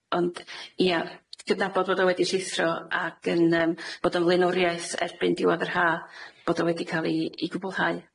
Ond, ia, cydnabod bod o wedi llithro ag yn yym, bod o'n flaenoriaeth erbyn diwadd yr ha' bod o wedi ca'l 'i 'i gwblhau.